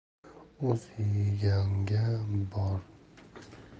oz yeganga bor davo